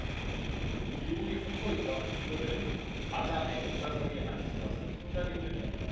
미국이 쫓고 있던 인물을 아잠의 옆좌석에 앉힌 것은 순전히 우연이었다